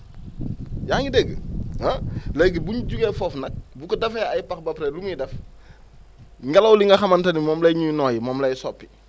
yaa ngi dégg ah léegi bu ñu jugee foofu nag bu ko defee ay pax ba pare lu muy def ngelaw li nga xamante ni moom la ñuy noyyi moom lay soppi